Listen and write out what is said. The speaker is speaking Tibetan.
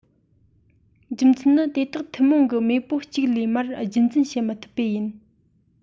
རྒྱུ མཚན ནི དེ དག ཐུན མོང གི མེས པོ གཅིག ལས མར རྒྱུད འཛིན བྱེད མི ཐུབ པས ཡིན